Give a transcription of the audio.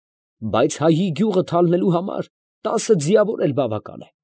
Բայց հայի գյուղը թալնելու համար տասը ձիավոր էլ բավական է։